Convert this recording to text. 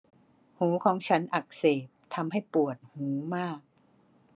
หูของฉันอักเสบทำให้ปวดหูมาก